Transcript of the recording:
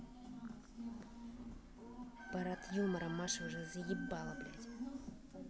парад юмора маша уже заебала блядь